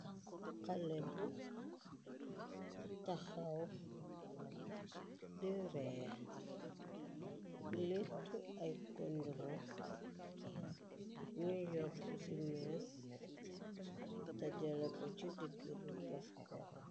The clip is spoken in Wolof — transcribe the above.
Xale bu taxaw di ree lettu ay kondro new york ci mees dajale ko ci diggami pof ko.